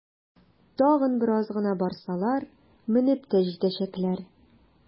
Тагын бераз гына барсалар, менеп тә җитәчәкләр!